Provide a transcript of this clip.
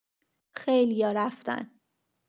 خیلیا رفتن.